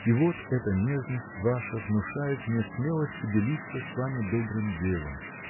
И вот эта нежность ваша внушает мне смелость поделиться с вами добрым делом.